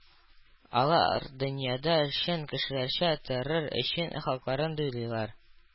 Алар дөньяда чын кешеләрчә торыр өчен хакларын даулыйлар